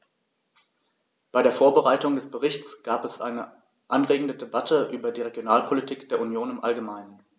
Bei der Vorbereitung des Berichts gab es eine anregende Debatte über die Regionalpolitik der Union im allgemeinen.